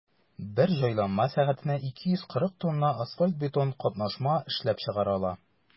Бер җайланма сәгатенә 240 тонна асфальт–бетон катнашма эшләп чыгара ала.